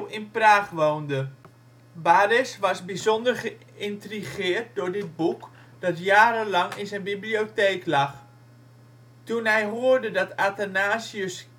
in Praag woonde. Baresch was bijzonder geïntrigeerd door dit boek, dat jarenlang in zijn bibliotheek lag. Toen hij hoorde dat Athanasius